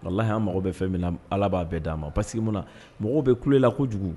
Alaya mago bɛ fɛn min na ala b'a bɛɛ d'a ma basi sigi mun na mɔgɔw bɛ kula kojugu